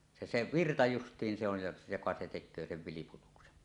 se se virta justiin se on - joka se tekee sen vilputuksen